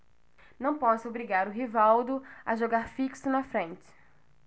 não posso obrigar o rivaldo a jogar fixo na frente